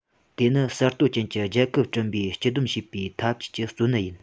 དེ ནི གསར གཏོད ཅན གྱི རྒྱལ ཁབ སྐྲུན པར སྤྱི འདོམས བྱེད པའི འཐབ ཇུས ཀྱི གཙོ གནད ཡིན